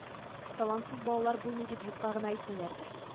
Талантсыз балалар булмый дип юкка гына әйтмиләрдер